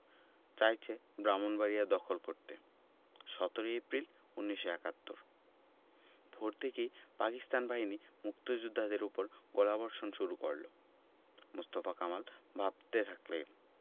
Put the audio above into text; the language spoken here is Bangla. চাইছে ব্রাহ্মনবাড়িয়া দখল করতে ১৭ এপ্রিল ১৯৭১ ভোর থেকেই পাকিস্তানি বাহিনী মুক্তিযোদ্ধাদের উপর গোলাবর্ষণ শুরু করল মোস্তফা কামাল ভাবতে লাগলেন